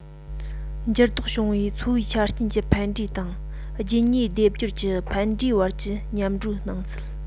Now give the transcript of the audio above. འགྱུར ལྡོག བྱུང བའི འཚོ བའི ཆ རྐྱེན གྱི ཕན འབྲས དང རྒྱུད གཉིས སྡེབ སྦྱོར གྱི ཕན འབྲས བར གྱི མཉམ འགྲོའི སྣང ཚུལ